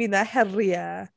Fydd 'na heriau